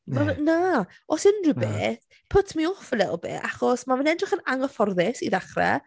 Mae fe... na- ...na os unrhywbeth... na ...puts me off a little bit achos mae fe'n edrych yn anghyfforddus i ddechrau.